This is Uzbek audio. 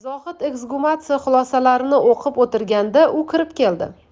zohid eksgumatsiya xulosalarini o'qib o'tirganda u kirib keldi